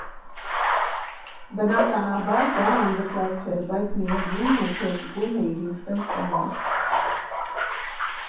Բնականաբար դա անվճար չէր, բայց, միևնույն է, քեզ զգում էիր ինչպես տանը։